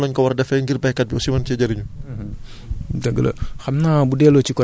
nga dem sotti ko ci tool bi wala dafa am noo xamante ne noonu la ñu ko war a defee ngir baykat bi aussi mën see jëriñu